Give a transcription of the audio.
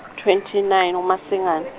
twenty nine uMasingane.